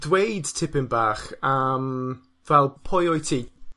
dweud tipyn bach am fel pwy wyt ti?